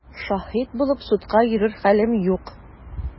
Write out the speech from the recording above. Шаһит булып судка йөрер хәлем юк!